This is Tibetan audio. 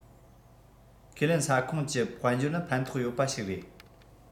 ཁས ལེན ས ཁོངས ཀྱི དཔལ འབྱོར ནི ཕན ཐོགས ཡོད པ ཞིག རེད